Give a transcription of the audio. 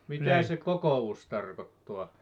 mitä se kokous tarkoittaa